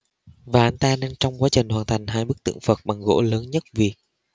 và anh ta đang trong quá trình hoàn thành hai bức tượng phật bằng gỗ lớn nhất việt